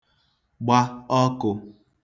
gba ọkụ̄